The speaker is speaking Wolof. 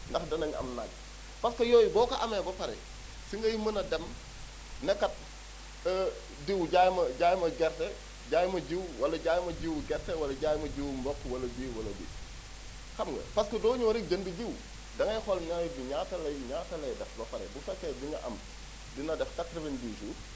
ndax danañ am naaj parce yooyu boo ko amee ba pare si ngay mën a dem ne kat diw jaay ma jaay ma gerte jaay ma jiwu wala jaay ma jiwu gerte wala jaay ma jiwu mboq wala bii wala bii xam nga parce que doo ñëw rek jënd jiwu da ngay xool nawet bi ñaata lay ñaata lay def ba pare bu fekkee bi nga am dina def 90 jours